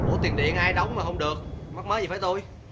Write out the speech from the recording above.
ủa tiền điện ai đóng mà hông được mắc mớ gì phải tui